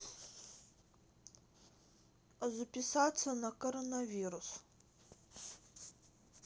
записаться на коронавирус